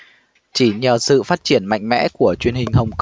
chỉ nhờ sự phát triển mạnh mẽ của truyền hình hồng